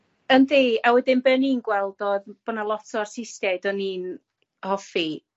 Yndi a wedyn be' o'n i'n gweld odd bo' 'na lot o artistiaid o'n i'n hoffi